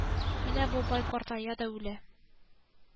Менә бу бай картая да үлә